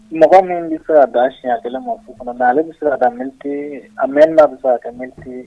Mɔgɔ min bɛ se ka da siɲɛya kelen ma fo kɔnɔ mɛ ale bɛ se ka mti ameina bɛ se ka mte